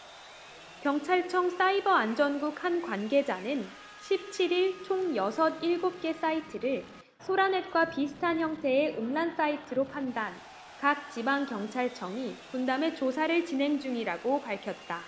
경찰청 사이버안전국 한 관계자는 십 칠 일 총 여섯 일곱 개 사이트를 소라넷과 비슷한 형태의 음란 사이트로 판단 각 지방경찰청이 분담해 조사를 진행중이라고 밝혔다